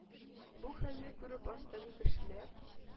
Бу хәлне күреп астагы кешеләр